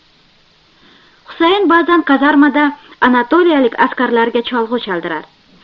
husayn ba'zan kazarmada anatoliyalik askarlarga cholg'u chaldirar